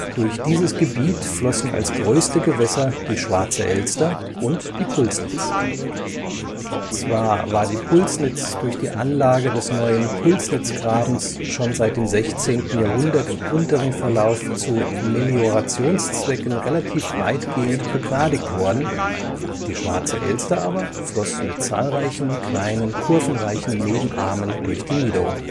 Durch dieses Gebiet flossen als größte Gewässer die Schwarze Elster und die Pulsnitz. Zwar war die Pulsnitz durch die Anlage des neuen Pulsnitzgrabens schon seit dem 16. Jahrhundert im unteren Verlauf zu Meliorationszwecken relativ weitgehend begradigt worden, die Schwarze Elster aber floss mit zahlreichen kleinen kurvenreichen Nebenarmen durch die Niederung